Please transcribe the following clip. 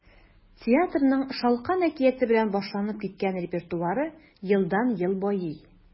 Театрның “Шалкан” әкияте белән башланып киткән репертуары елдан-ел байый.